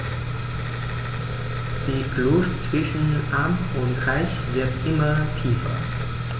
Die Kluft zwischen Arm und Reich wird immer tiefer.